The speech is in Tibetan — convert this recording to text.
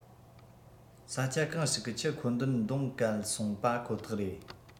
ས ཆ གང ཞིག གི ཆུ མཁོ འདོན མདོང གད སོང པ ཁོ ཐག རེད